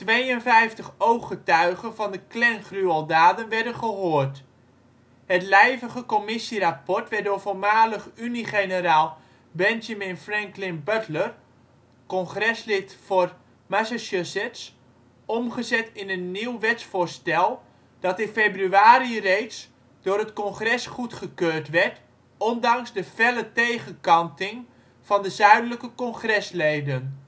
52 ooggetuigen van de Klan-gruweldaden werden gehoord. Het lijvige commissierapport werd door voormalig Uniegeneraal Benjamin Franklin Butler (congreslid voor Massachusetts) omgezet in een nieuw wetsvoorstel dat in februari reeds door het Congres goedgekeurd werd, ondanks de felle tegenkanting van de Zuidelijke Congresleden